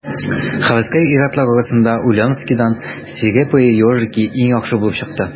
Һәвәскәр ир-атлар арасында Ульяновскидан «Свирепые ежики» иң яхшы булып чыкты.